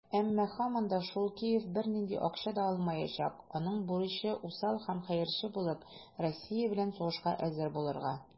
Әмма, һаман да шул, Киев бернинди акча да алмаячак - аның бурычы усал һәм хәерче булып, Россия белән сугышка әзер булырга.